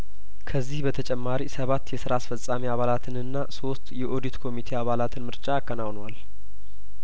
ከዚህ በተጨማሪ ሰባት የስራ አስፈጻሚ አባላትንና ሶስት የኦዲት ኮሚቴ አባላትንምርጫ አከናውኗል